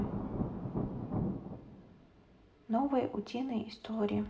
новые утиные истории